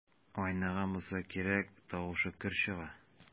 Айныган булса кирәк, тавышы көр чыга.